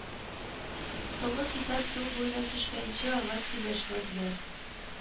Соңгы китап су буена төшкәнче алар сөйләшмәделәр